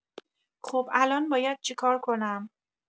خب الان باید چیکار کنم؟